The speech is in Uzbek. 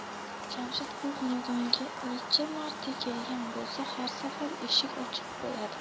jamshid bu xonadonga necha marta kelgan bo'lsa har safar eshik ochiq bo'ladi